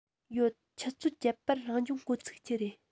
ཡོད ཆུ ཚོད བརྒྱད པར རང སྦྱོང འགོ ཚུགས ཀྱི རེད